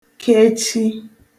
kechi